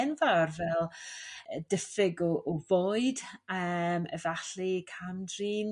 enfawr fel y diffyg o fwyd eem efallu cam-drin